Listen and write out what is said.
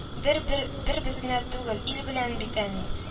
- бер бер без генә түгел, ил белән бит, әни